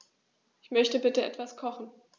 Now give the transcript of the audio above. Ich möchte bitte etwas kochen.